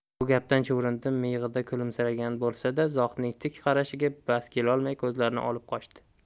bu gapdan chuvrindi miyig'ida kulimsiragan bo'lsa da zohidning tik qarashiga bas kelolmay ko'zlarini olib qochdi